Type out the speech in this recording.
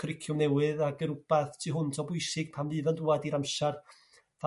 cwricwlwm newydd ag yn r'wbath tu hwnt o bwysig pan fydd o'n dŵad i'r amser